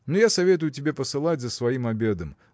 но я советую тебе посылать за своим обедом